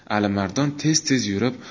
alimardon tez tez yurib